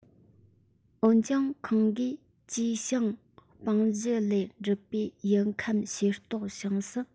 འོན ཀྱང ཁོང གིས དཀྱུས ཞེང དཔངས བཞི ལས གྲུབ པའི ཡུལ ཁམས ཤེས རྟོགས བྱུང ཟིན